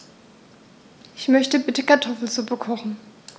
Ich möchte bitte Kartoffelsuppe kochen.